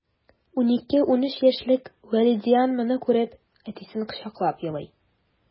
12-13 яшьлек вәлидиан моны күреп, әтисен кочаклап елый...